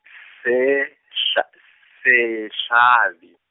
s- sehla-, s- sehlabi.